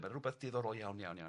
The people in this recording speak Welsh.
Mae'n rwbeth diddorol iawn, iawn, iawn.